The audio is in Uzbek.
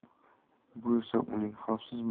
bu esa uning xavfsiz